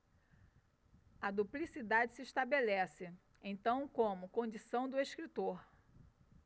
a duplicidade se estabelece então como condição do escritor